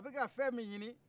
a bɛ ka fɛn min ɲinin